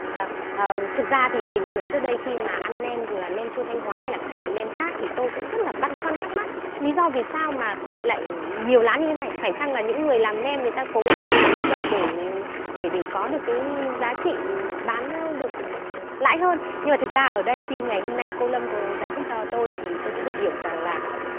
vầng à thực ra thì bình thường trước đây khi mà anh em dù là nem chua thanh hóa hay là các loại nem khác thì tôi cũng rất là băn khoăn thắc mắc lý do vì sao mà lại nhiều lá như thế này phải chăng là những người làm nên người ta cố tình làm như vậy để để để có được cái giá trị bán nó được lãi hơn nhưng thực ra ở đây khi ngày hôm nay cô lâm cô ý giải thích cho tôi thì tôi cũng được hiểu rằng là